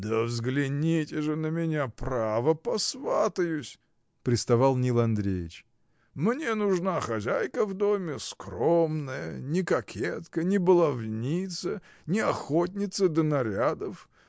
— Да взгляните же на меня: право, посватаюсь, — приставал Нил Андреич, — мне нужна хозяйка в доме, скромная, не кокетка, не баловница, не охотница до нарядов.